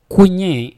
Koɲɛ